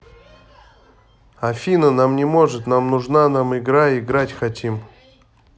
афина нам не может нам нужна нам игра играть хотим